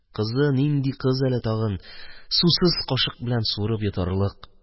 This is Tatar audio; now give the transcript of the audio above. Кызы нинди кыз әле тагын, сусыз кашык белән суырып йотарлык